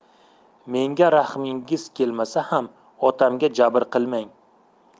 menga rahmingiz kelmasa ham otamga jabr qilmang